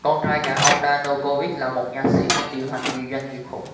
con trai cả ông yanukovych là một nha sỹ nhưng điều hành nhiều doanh nghiệp khủng